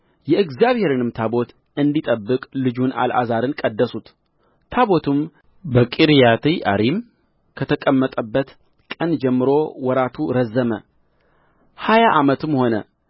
የእግዚአብሔርም ታቦት እንዲጠብቅ ልጁን አልዓዛርን ቀደሱት ታቦቱም በቂርያትይዓሪም ከተቀመጠበት ቀን ጀምሮ ወራቱ ረዘመ ሀያ ዓመትም ሆነ